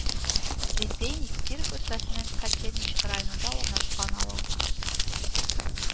Репейник Киров өлкәсенең Котельнич районында урнашкан авыл